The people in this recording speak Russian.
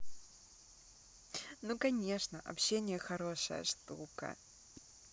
ну конечно общение хорошая штука